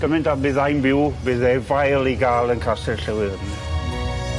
Gyment a byddai'n fyw bydd efail i ga'l yn Castell Newydd Emlyn.